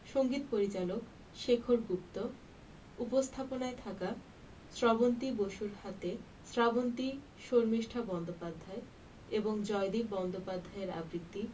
সঙ্গীত পরিচালক শেখর গুপ্ত উপস্থাপনায় থাকা স্রবন্তী বসুর হাতে শ্রাবন্তী শর্মিষ্ঠা বন্দ্যোপাধ্যায় এবং জয়দীপ বন্দ্যোপাধ্যায়ের আবৃত্তি